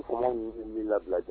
Kuma bɛ min lafibila jan